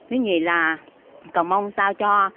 thứ nhì là cầu mong sao cho